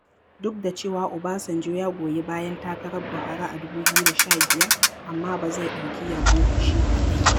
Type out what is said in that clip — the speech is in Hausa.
Duk da cewa Obasanjo ya goyi bayan takarar Buhari a 2015, amma ba zai ɗauki yabo shi kaɗai ba.